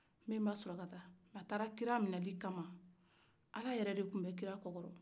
nbenba sulakata a taara kira minɛli kama ala yɛrɛ de tun bɛ kira kɔ kɔrɔ